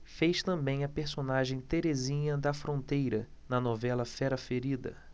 fez também a personagem terezinha da fronteira na novela fera ferida